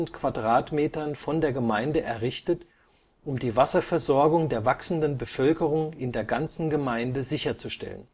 Quadratmetern von der Gemeinde errichtet, um die Wasserversorgung der wachsenden Bevölkerung in der ganzen Gemeinde sicherzustellen